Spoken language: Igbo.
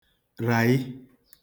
ràị